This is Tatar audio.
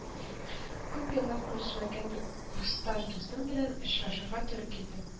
Күп еллар күрешмәгән курсташ дустым белән очрашырга туры килде